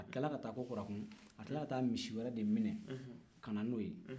a tila ka taa ko kuran tun a tilala ka taa misi wɛrɛ de minɛ ka n'o ye